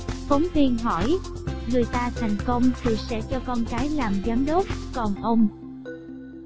phóng viên người ta thành công thì sẽ cho con cái làm giám đốc còn ông